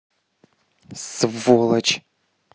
сволочь